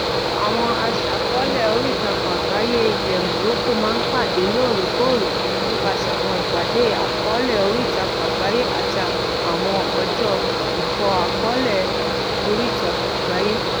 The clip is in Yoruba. Àwọn aṣàkọọ́lẹ̀ oríìtakùn àgbáyé ilẹ̀ Morocco máa ń pàdé lóòrèkóòrè nípasẹ̀ àwọn ìpàdé àkọọ́lẹ̀ oríìtakùn àgbáyé àti àwọn ọjọ́ ìkọàkọọ́lẹ̀ oríìtakùn àgbáyé.